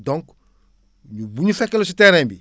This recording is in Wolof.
donc ñu bu ñu fekk la si terrain bi